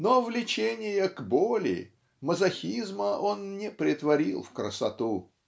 но влечения к боли, мазохизма, он не претворил в красоту.